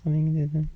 hal qiling dedim